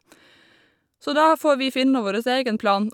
Så da får vi finne vårres egen plan.